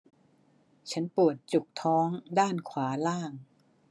ฉันปวดจุกท้องด้านขวาล่าง